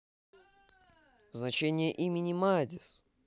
значение имени мадис